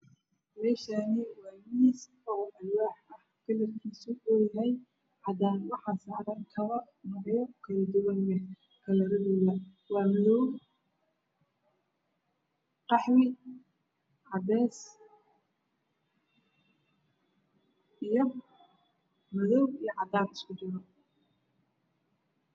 Meshaani waa miis alwax ah kalarkiisu uyahay cadan waxaa saran kabo medebab kala duwan waa madow qaxwi cadees iyo madoow iyo cadan isku jiro